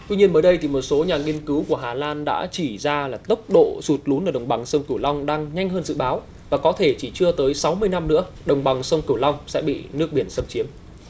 tuy nhiên mới đây thì một số nhà nghiên cứu của hà lan đã chỉ ra là tốc độ sụt lún ở đồng bằng sông cửu long đang nhanh hơn dự báo và có thể chỉ chưa tới sáu mươi năm nữa đồng bằng sông cửu long sẽ bị nước biển xâm chiếm